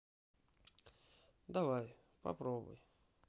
давай попробуй